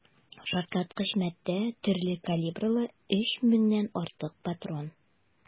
Шартлаткыч матдә, төрле калибрлы 3 меңнән артык патрон.